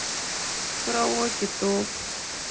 караоке топ